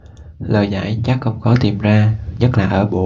lời giải chắc không khó tìm ra nhất là ở bộ